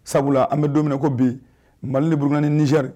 Sabula an bɛ don ko bi mali de bburukani nizdiri